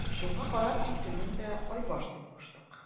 Шуңа карап исемен дә Айбаш дип куштык.